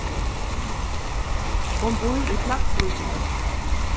hon býr í klaksvíkini